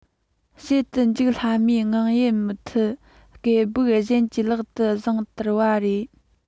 བྱེད དུ འཇུག སླ མོས ངང ཡལ མི ཐུབ སྐད སྦུག གཞན གྱི ལག ཏུ བཟུང དར བ རེད